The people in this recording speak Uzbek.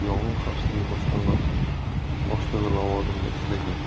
yong'in xavfsizligi boshqarmasi boshlig'i lavozimida ishlagan